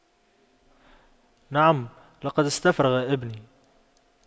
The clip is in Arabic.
نعم لقد استفرغ ابني